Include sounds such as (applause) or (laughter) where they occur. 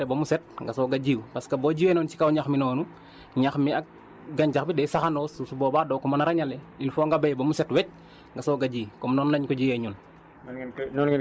dangay béy ba pare ba mu set nga soog a jiw parce que boo jiwee noonu ci kaw ñax mi noonu (breath) ñax mi ak gàncax bi day saxandoo su boobaa doo ko mën a ràññale il faut nga béy ba mu set wécc (breath) nga soog a ji comme noonu lañ ko jiyee ñun